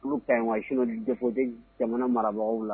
Olu ka wa sun dete jamana marabagaw la